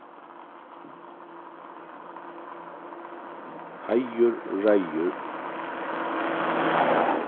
heiður og reiður